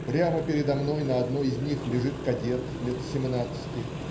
Прямо передо мной на одной из них лежит кадет лет семнадцати.